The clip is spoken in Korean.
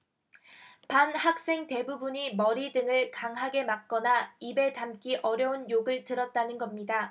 반 학생 대부분이 머리 등을 강하게 맞거나 입에 담기 어려운 욕을 들었다는 겁니다